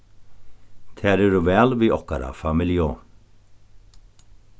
tær eru væl við okkara familju